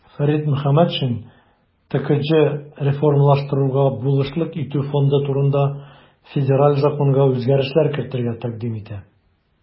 Фәрит Мөхәммәтшин "ТКҖ реформалаштыруга булышлык итү фонды турында" Федераль законга үзгәрешләр кертергә тәкъдим итә.